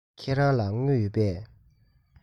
ཁྱེད རང ལ དངུལ ཡོད པས